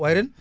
waaye ren